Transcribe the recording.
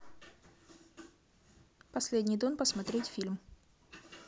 последний дон посмотреть фильм